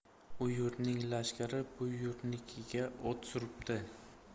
u yurtning lashkari bu yurtnikiga ot suribdi